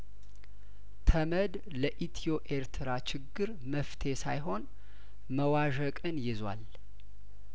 ተመድ ለኢትዮ ኤርትራ ችግር መፍትሄ ሳይሆን መዋዠቅን ይዟል